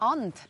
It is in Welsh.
Ond